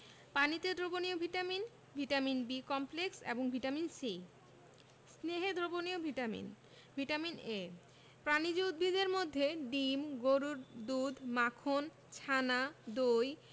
পানিতে দ্রবণীয় vitamin vitamin B complex এবং ভিটামিন C স্নেহে দ্রবণীয় ভিটামিন ভিটামিন A প্রাণিজ উৎসের মধ্যে ডিম গরুর দুধ মাখন ছানা দই